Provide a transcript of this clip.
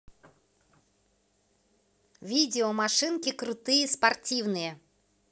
видео машинки крутые спортивные